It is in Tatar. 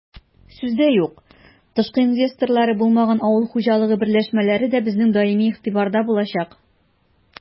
Сүз дә юк, тышкы инвесторлары булмаган авыл хуҗалыгы берләшмәләре дә безнең даими игътибарда булачак.